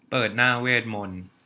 เปิดหน้าเวทมนต์